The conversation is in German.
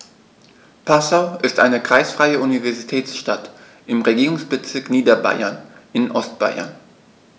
Passau ist eine kreisfreie Universitätsstadt im Regierungsbezirk Niederbayern in Ostbayern.